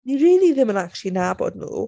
Ni rili ddim yn acshyli nabod nhw.